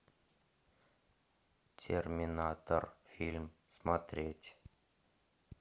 терминатор фильм смотреть